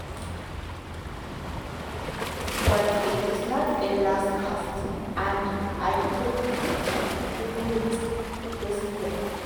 But it is not a lost cause and I hope we can include it this year!